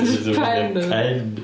jyst pen...pen...